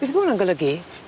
Beth ma' wnna'n golygu?